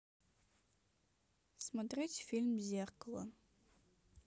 смотреть фильм зеркала